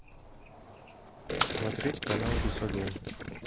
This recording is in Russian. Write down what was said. смотреть канал бесогон